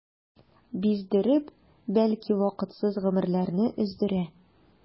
Биздереп, бәлки вакытсыз гомерләрне өздерә.